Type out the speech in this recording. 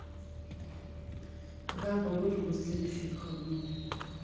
какая погода будет в следующие выходные